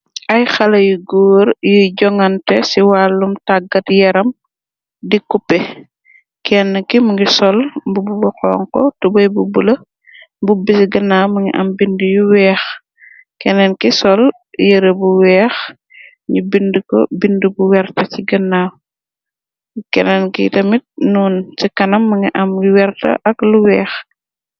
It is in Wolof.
Ay xala yu góor yiy jongante ci wàllum tàggat yaram di cupe, kenn ki mu ngi sol mbububu xonko tubay bu bule mbubbi ci ginnaaw. Mingi am bind yu weex, kenneen ki sol yëre bu weex ñu bind ko bind bu wert ci ginnaaw, keneen ki tamit nuun ci kanam mangi am y werta ak lu weex.